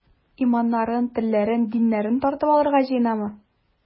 Иманнарын, телләрен, диннәрен тартып алырга җыенамы?